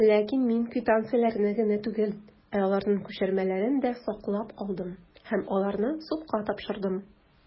Ләкин мин квитанцияләрне генә түгел, ә аларның күчермәләрен дә саклап калдым, һәм аларны судка тапшырдым.